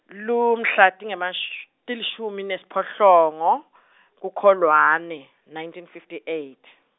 lumhla tingemash-, tilishumi nesiphohlongo , kuKholwane, nineteen fifty eight.